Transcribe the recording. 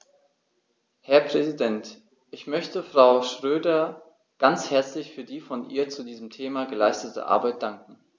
Herr Präsident, ich möchte Frau Schroedter ganz herzlich für die von ihr zu diesem Thema geleistete Arbeit danken.